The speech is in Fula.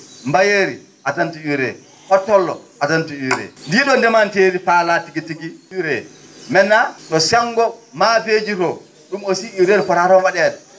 mbayeeri addante UREE hottollo addante UREE ndii ?oo ndemanteeri faalaa tigi tigi UREE maintenant to senngo maafeeji to ?um aussi UREE ne fotaa toon wa?eede